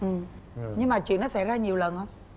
ừ nhưng mà chuyện đó xảy ra nhiều lần hông